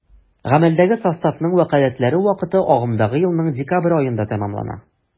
Гамәлдәге составның вәкаләтләре вакыты агымдагы елның декабрь аенда тәмамлана.